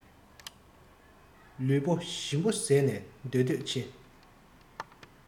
ལུས པོ ཞིམ པོ བཟས ནས སྡོད འདོད ཆེ